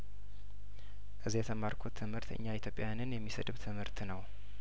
እዚያየተማርኩት ትምህርት እኛን ኢትዮጵያዊያንን የሚሰድብ ትምህርት ነው